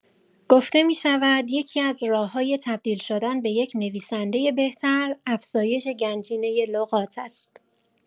گفته می‌شود، یکی‌از راه‌های تبدیل شدن به یک نویسندۀ بهتر، افزایش گنجینه لغات است.